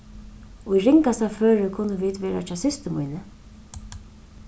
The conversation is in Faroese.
í ringasta føri kunnu vit vera hjá systur míni